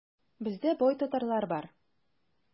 Бездә бай татарлар бар.